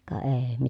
ka ei